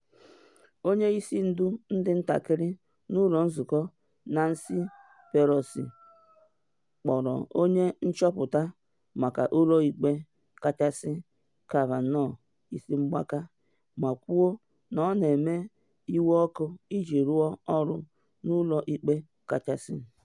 Onye Ndu Ndị Ntakịrị N’ụlọ Nzụkọ Nancy Pelosi kpọrọ onye nhọpụta maka Ụlọ Ikpe Kachasị Kavanaugh “isi mgbaka” ma kwuo na ọ na ewe iwe ọkụ iji rụọ ọrụ na Ụlọ Ikpe Kachasị.